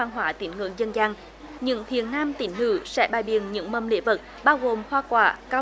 văn hóa tín ngưỡng dân gian những thiện nam tín nữ sẽ bày biện những mâm lễ vật bao gồm hoa quả cau